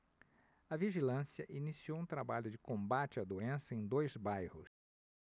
a vigilância iniciou um trabalho de combate à doença em dois bairros